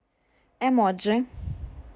эмоджи